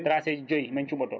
tracé joyyi min cuɓato